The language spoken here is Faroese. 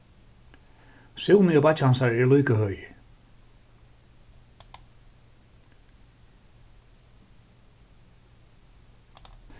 súni og beiggi hansara eru líka høgir